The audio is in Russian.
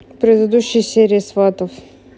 предыдущие серии сватов